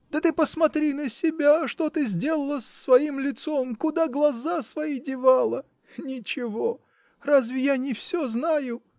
Да ты посмотри на себя, что ты сделала с своим лицом, куда глаза свои девала? -- Ничего! разве я не все знаю?